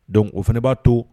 Don o fana b'a to